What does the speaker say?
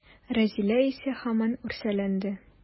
Рәзилә исә һаман үрсәләнде.